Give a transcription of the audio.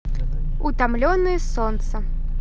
утомленные солнца